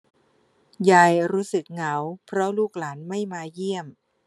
ยายรู้สึกเหงาเพราะลูกหลานไม่มาเยี่ยม